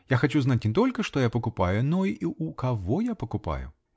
Я хочу знать не только, что я покупаю, но и у кого я покупаю.